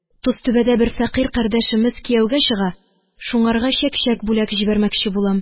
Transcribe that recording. – тозтүбәдә бер фәкыйрь кардәшемез кияүгә чыга, шуңарга чәкчәк бүләк жибәрмәкче булам